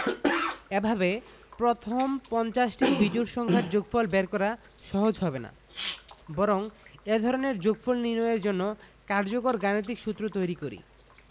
এভাবে প্রথম পঞ্চাশটি বিজোড় সংখ্যার যোগফল বের করা সহজ হবে না বরং এ ধরনের যোগফল নির্ণয়ের জন্য কার্যকর গাণিতিক সূত্র তৈরি করি